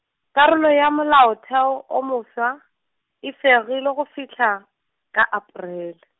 karolo ya molaotheo wo mofsa, e fegilwe go fihla, ka Aparele.